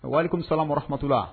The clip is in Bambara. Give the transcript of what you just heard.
Warleku salam wa rahamatulah